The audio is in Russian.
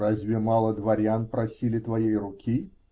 -- Разве мало дворян просили твоей руки?